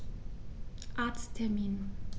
Arzttermin